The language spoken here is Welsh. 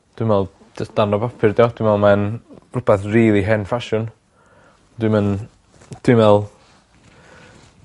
Dwi me'wl jyst darn o bapur 'di o. Dwi me'wl ma' e'n rwbeth rili hen ffasiwn. Dwi'm yn dwi me'wl